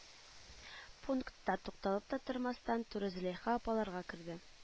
Пунктка тукталып та тормастан, туры зөләйха апаларга керде